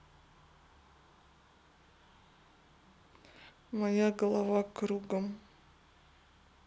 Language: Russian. моя голова кругом